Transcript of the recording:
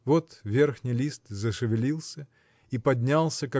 Вот верхний лист зашевелился и поднялся